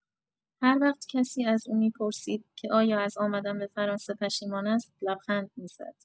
هر وقت کسی از او می‌پرسید که آیا از آمدن به فرانسه پشیمان است، لبخند می‌زد.